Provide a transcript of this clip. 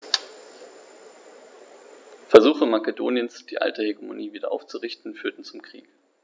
Versuche Makedoniens, die alte Hegemonie wieder aufzurichten, führten zum Krieg.